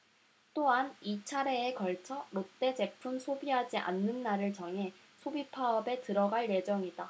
또한 이 차례에 걸쳐 롯데 제품 소비하지 않는 날을 정해 소비 파업에 들어갈 예정이다